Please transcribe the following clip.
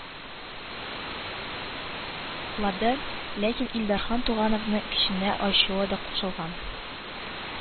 Лады, ләкин илдархан тугановның көченә ачуы да кушылган